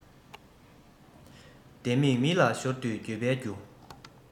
ལྡེ མིག མི ལ ཤོར དུས འགྱོད པའི རྒྱུ